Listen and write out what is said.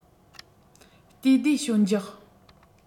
དུས བདེ ཞོད འཇགས